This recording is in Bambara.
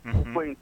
Koyi